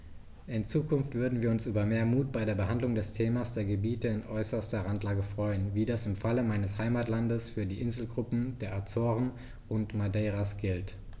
In Zukunft würden wir uns über mehr Mut bei der Behandlung des Themas der Gebiete in äußerster Randlage freuen, wie das im Fall meines Heimatlandes für die Inselgruppen der Azoren und Madeiras gilt.